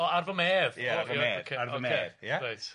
O ar fy medd. Ia ar fy medd ocê. ar fy medd... Ocê. ...ia. Reit.